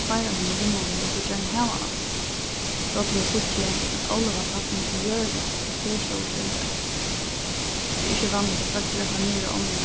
tveir av mínum vinmonnum vildu gjarna hava hana brádliga síggi eg at óli var fallin til jørðina og per stóð og skeldaði tað er ikki vanligt at fólk rakka niður á onnur